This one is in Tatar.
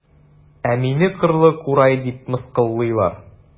Ә мине кырлы курай дип мыскыллыйлар.